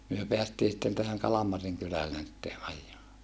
me päästiin sitten tähän Kalmarin kylälle sitten ajamaan